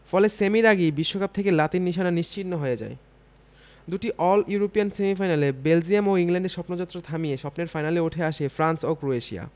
ফলে সেমির আগেই বিশ্বকাপ থেকে লাতিন নিশানা নিশ্চিহ্ন হয়ে যায় দুটি অল ইউরোপিয়ান সেমিফাইনালে বেলজিয়াম ও ইংল্যান্ডের স্বপ্নযাত্রা থামিয়ে স্বপ্নের ফাইনালে উঠে আসে ফ্রান্স ও ক্রোয়েশিয়া